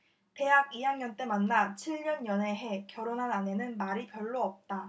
대학 이 학년 때 만나 칠 년 연애해 결혼한 아내는 말이 별로 없다